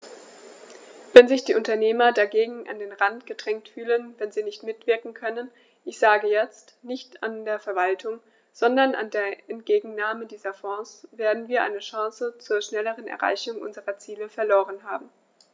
Wenn sich die Unternehmer dagegen an den Rand gedrängt fühlen, wenn sie nicht mitwirken können ich sage jetzt, nicht nur an der Verwaltung, sondern an der Entgegennahme dieser Fonds , werden wir eine Chance zur schnelleren Erreichung unserer Ziele verloren haben.